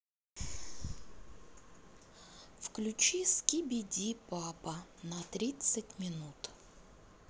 включи скибиди папа на тридцать минут